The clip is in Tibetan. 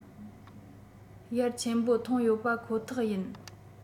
ཡར ཆེན པོ ཐོན ཡོད པ ཁོ ཐག ཡིན